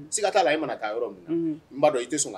S ka taa la e mana ka yɔrɔ min n'a dɔn i tɛ so la